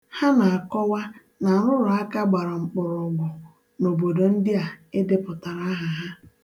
Ha na-akọwa na nrụrụaka gbara mkpọrọgwụ n'obodo ndị a e depụtara aha ha.